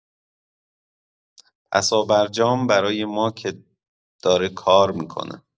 پسابرجام برای ما که داره کار می‌کنه.